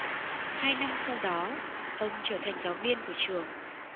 hai năm sau đó ông trở thành giáo viên của trường